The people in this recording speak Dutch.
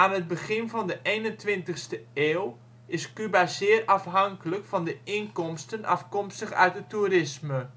het begin van de eenentwintigste eeuw is Cuba zeer afhankelijk van de inkomsten afkomstig uit het toerisme